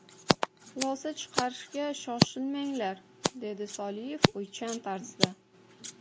xulosa chiqarishga shoshilmanglar dedi soliev o'ychan tarzda